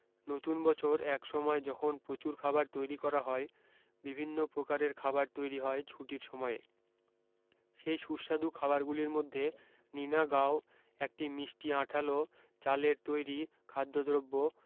নতুন বছর এক সময় যখন প্রচুর খাবার তৈরী করা হয় বিভিন্ন প্রকারের খাবার তৈরী হয় ছুটির সময়ে সেই সুস্বাদু খাবারগুলির মধ্যে নিনা গাও একটি মিষ্টি আঁঠালো চালের তৈরি খাদ্যদ্রব্য